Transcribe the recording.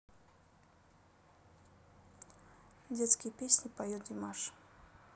детские песни поет димаш